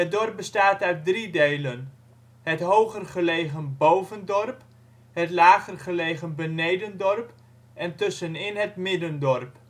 dorp bestaat uit drie delen: het hoger gelegen Bovendorp het lager gelegen Benedendorp tussenin het Middendorp